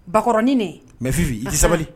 Bakɔrɔnin nin mais Fifi i tɛ sabali